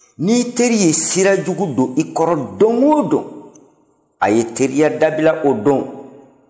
ni i teri ye sira jugu don i kɔrɔ don o don a' ye teriya dabila o don